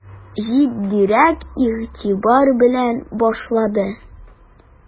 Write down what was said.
Җитдирәк игътибар бүленә башлады.